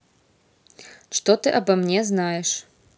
что ты обо мне знаешь